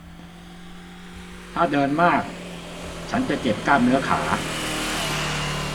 ถ้าเดินมากฉันจะเจ็บกล้ามเนื้อขา